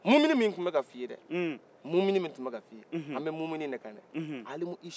muminin min tun bɛ ka f'i ye dɛ muminin min tun bɛ ka f'i ye dɛ an bɛ muminin de kan alimusufu